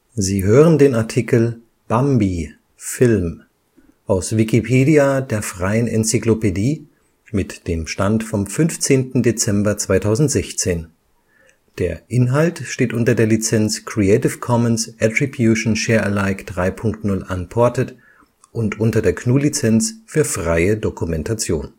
Sie hören den Artikel Bambi (Film), aus Wikipedia, der freien Enzyklopädie. Mit dem Stand vom Der Inhalt steht unter der Lizenz Creative Commons Attribution Share Alike 3 Punkt 0 Unported und unter der GNU Lizenz für freie Dokumentation